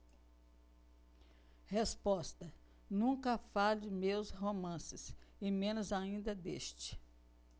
resposta nunca falo de meus romances e menos ainda deste